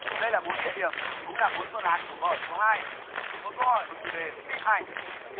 đây là bốn địa điểm cũng là bốn phương án của câu hỏi số hai một câu hỏi của chủ đề phim ảnh